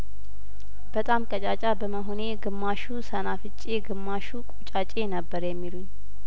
በጣም ቀጫጫ በመሆኔ ግማሹ ሰናፍጬ ግማሹ ቁጫጬ ነበር የሚሉኝ